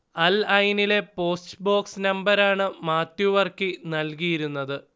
അൽ ഐനിലെ post box നമ്പരാണ് മാത്യു വർക്കി നൽകിയിരുന്നത്